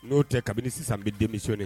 N'o tɛ kabini sisan n be démissionner